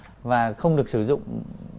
và không được sử dụng